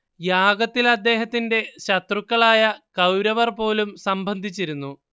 യാഗത്തിൽ അദ്ദേഹത്തിന്റെ ശത്രുക്കളായ കൌരവർ പോലും സംബന്ധിച്ചിരുന്നു